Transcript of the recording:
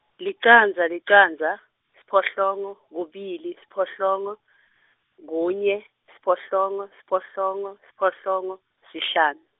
licandza licandza siphohlongo kubili siphohlongo kunye siphohlongo siphohlongo siphohlongo sihlanu.